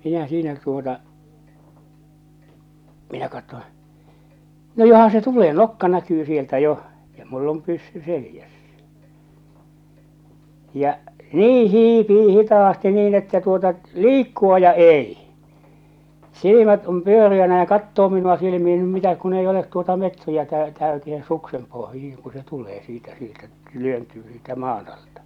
minä siinä tuota minä katson no johan se tulee nokka näkyy sieltä jo ja minulla on pyssy selässä ja niin hiipii hitaasti niin että tuota liikkua ja ei silmät on pyöreänä ja katsoo minua silmiin no mitä kun ei ole tuota metriäkään täyteen suksen pohjiin kun se tulee siitä sieltä työntyy siitä maan alta